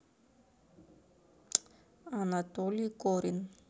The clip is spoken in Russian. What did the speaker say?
анатолий горин